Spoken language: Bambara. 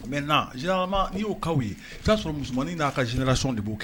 Maintenant généralement n'i y'o cas u ye i be taa sɔrɔ musomannin n'a ka génération de b'o kɛ